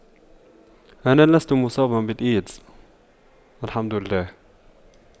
أنا لست مصابا بالإيدز والحمد لله